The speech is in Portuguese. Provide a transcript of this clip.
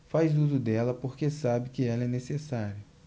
faz uso dela porque sabe que ela é necessária